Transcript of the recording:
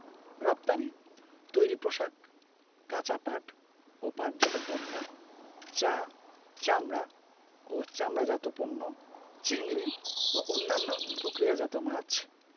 রপ্তানিঃ তৈরি পোশাক কাঁচা পাট ও পাটজাত পণ্য চা চামড়া ও চামড়াজাত পণ্য চিংড়ি ও অন্যান্য প্রক্রিয়াজাত মাছ